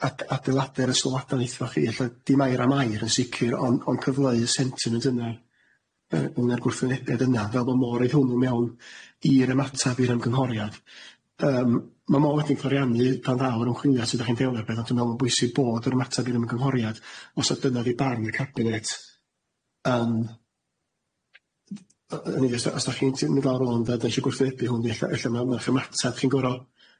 a- a- adeiladur y sylwadau neitho chi ella dim air am air yn sicir on- ond cyfleu y sentiment yna yy yn yr gwrthwynebiad yna fel ma' mo' raid hwnnw mewn i'r ymatadd i'r ymgynghoriad yym ma' mo' wedyn cloriani pan ddaw yr ymchwiliad sud dach chi'n delio ar beth ond dwi me'wl ma'n bwysig bod yr ymatad i'r ymgynghoriad os o'dd dyna fi barn y cabinet yym dd- o- o'n i'n deuddo os dach chi'n ti'n mynd lawr ond a dach chi'n gwrthwynebu hwnn ni ella ella mewn i'r ymatad chi'n gor'o'